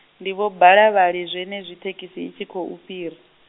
ndi vho Balavhali zwenezwi thekhisi i tshi khou fhira.